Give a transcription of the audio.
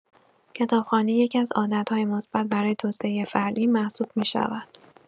کتاب‌خوانی یکی‌از عادت‌های مثبت برای توسعه فردی محسوب می‌شود.